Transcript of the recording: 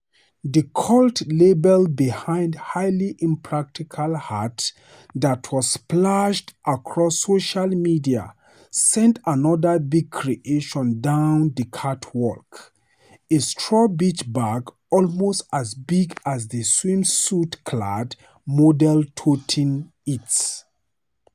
The cult label behind the highly impractical hat that was splashed across social media sent another big creation down the catwalk - a straw beach bag almost as big as the swimsuit-clad model toting it.